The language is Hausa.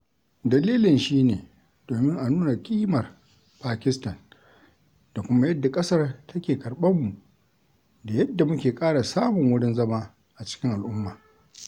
Dalilin shi ne domin a nuna ƙimar Pakistan da kuma yadda ƙasar take karɓarmu da yadda muke ƙara samun wurin zama a cikin al'umma.